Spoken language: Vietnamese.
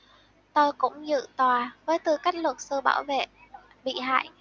tôi cũng dự tòa với tư cách luật sư bảo vệ bị hại